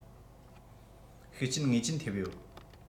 ཤུགས རྐྱེན ངེས ཅན ཐེབས ཡོད